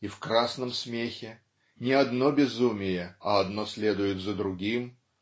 И в "Красном смехе" - не одно безумие, а одно следует за другим.